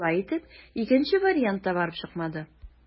Шулай итеп, икенче вариант та барып чыкмады.